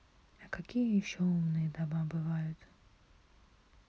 а какие еще умные дома бывают